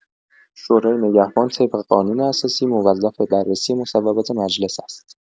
شورای نگهبان طبق قانون اساسی موظف به بررسی مصوبات مجلس است.